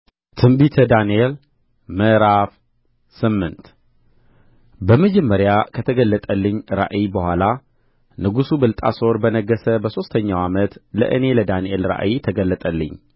ትንቢተ ዳንኤል ምዕራፍ ስምንት በመጀመሪያ ከተገለጠልኝ ራእይ በኋላ ንጉሡ ብልጣሶር በነገሠ በሦስተኛው ዓመት ለእኔ ለዳንኤል ራእይ ተገለጠልኝ